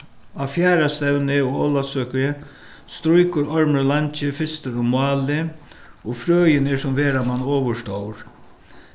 á fjarðastevnu og ólavsøku strýkur ormurin langi fyrstur um málið og frøin er sum vera man ovurstór